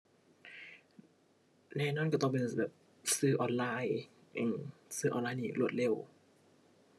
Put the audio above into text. แน่นอนก็ต้องเป็นแบบสื่อออนไลน์ อื้อ สื่อออนไลน์นี่รวดเร็ว